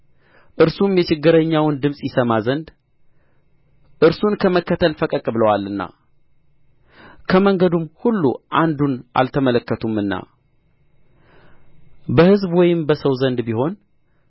እርሱም የችግረኛውን ድምፅ ይሰማ ዘንድ እርሱን ከመከተል ፈቀቅ ብለዋልና ከመንገዱም ሁሉ አንዱን አልተመለከቱምና በሕዝብ ወይም በሰው ዘንድ ቢሆን